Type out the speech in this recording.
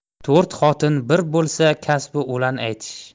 to'rt xotin bir bo'lsa kasbi o'lan aytish